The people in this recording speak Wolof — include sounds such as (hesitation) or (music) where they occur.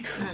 (breath) (hesitation)